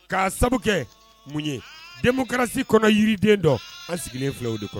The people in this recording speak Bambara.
K'a sababu kɛ mun ye denkarasi kɔnɔ yiriden dɔ an sigilen filaw de kɔnɔ